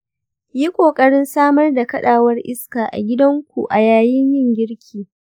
yi ƙoƙarin samar da kaɗawar iska a gidanku a yayin yin girki